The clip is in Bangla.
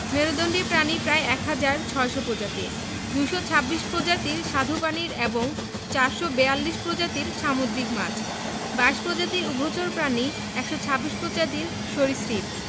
মেরুদন্ডী প্রাণী প্রায় ১হাজার ৬০০ প্রজাতির ২২৬ প্রজাতির স্বাদু পানির এবং ৪৪২ প্রজাতির সামুদ্রিক মাছ ২২ প্রজাতির উভচর প্রাণী ১২৬ প্রজাতির সরীসৃপ